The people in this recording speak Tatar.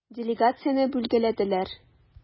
Делегацияне бүлгәләделәр.